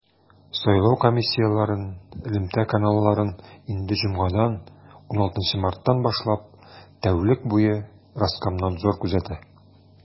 Сайлау комиссияләрен элемтә каналларын инде җомгадан, 16 марттан башлап, тәүлек буе Роскомнадзор күзәтә.